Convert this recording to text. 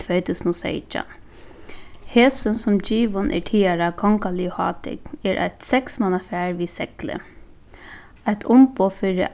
tvey túsund og seytjan hesin sum givin er tygara kongaligu hátign er eitt seksmannafar við segli eitt umboð fyri